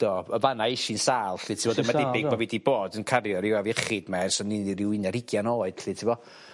do y fanna esh i'n sâl 'lly t'mod a ma' 'di deud bo' fi 'di bod yn cario ryw afiechyd 'me ers o'n i'n ryw un ar ugian oed 'lly t'bo'?